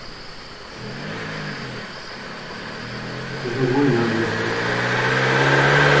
hvussu nógv vín hava okur eftir